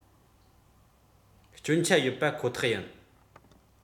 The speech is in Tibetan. སྐྱོན ཆ ཡོད པ ཁོ ཐག ཡིན